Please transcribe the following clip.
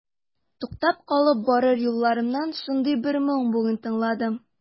Туктап калып барыр юлларымнан шундый бер моң бүген тыңладым.